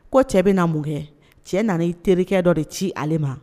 Ko cɛ bɛna na mun kɛ cɛ nana i terikɛ dɔ de ci ale ma